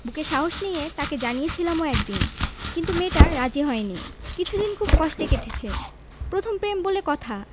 বুকে সাহস নিয়ে তাকে জানিয়েছিলামও একদিন কিন্তু মেয়েটা রাজি হয়নি কিছুদিন খুব কষ্টে কেটেছে প্রথম প্রেম বলে কথা